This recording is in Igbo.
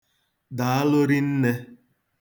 Daalụ rinne.